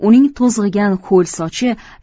uning to'zg'igan ho'l sochi yana